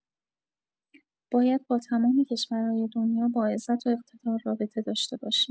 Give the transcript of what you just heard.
باید با تمام کشورهای دنیا با عزت و اقتدار رابطه داشته باشیم.